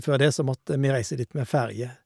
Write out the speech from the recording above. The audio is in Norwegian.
Før det så måtte vi reiste dit med ferje.